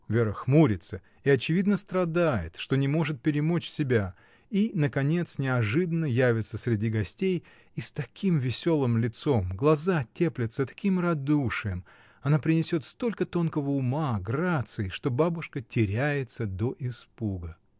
Вера хмурится и очевидно страдает, что не может перемочь себя, и наконец неожиданно явится среди гостей — и с таким веселым лицом, глаза теплятся таким радушием, она принесет столько тонкого ума, грации, что бабушка теряется до испуга.